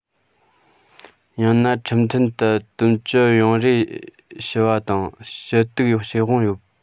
ཡང ན ཁྲིམས མཐུན ལྟར འདུམ གཅོད ཡོང རེ ཞུ བ དང ཞུ གཏུག བྱེད དབང ཡོད